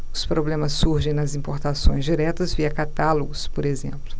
os problemas surgem nas importações diretas via catálogos por exemplo